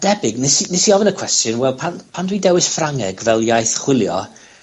...debyg nes i nes i ofyn y cwestiwn, wel pan pan dwi'n dewis Ffrangeg fel iaith chwilio